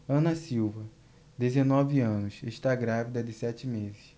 ana silva dezenove anos está grávida de sete meses